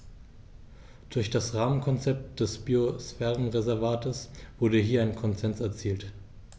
Durch das Rahmenkonzept des Biosphärenreservates wurde hier ein Konsens erzielt.